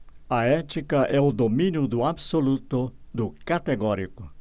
a ética é o domínio do absoluto do categórico